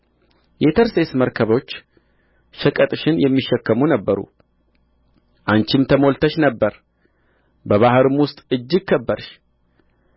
የተርሴስ መርከቦች ሸቀጥሽን የሚሸከሙ ነበሩ አንቺም ተሞልተሽ ነበር በባሕርም ውስጥ እጅግ ከበርሽ